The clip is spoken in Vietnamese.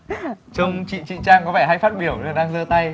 trông chị chị trang có vẻ hay phát biểu như là đang giơ tay